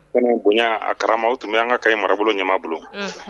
Ko bonya a karama tun bɛ an ka ye marabolo ɲama bolo